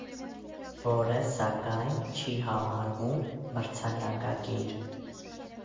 Որը, սակայն, չի համարվում մրցանակակիր։